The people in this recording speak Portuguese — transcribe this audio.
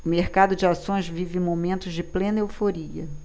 o mercado de ações vive momentos de plena euforia